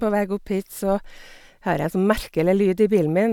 På veg opp hit så hører jeg en sånn merkelig lyd i bilen min.